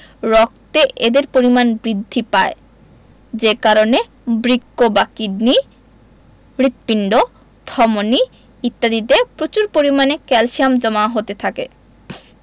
রক্তে এদের পরিমাণ বৃদ্ধি পায় যে কারণে বৃক্ক বা কিডনি হৃৎপিণ্ড ধমনি ইত্যাদিতে প্রচুর পরিমাণে ক্যালসিয়াম জমা হতে থাকে